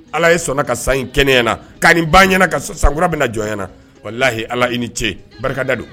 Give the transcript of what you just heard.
Ala ye sɔnna ka san in kɛnɛ ɲɛna na ka nin ba ɲɛna ka sankura bɛ na jɔn na wala lahi ala i ni ce barikada don